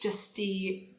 jyst i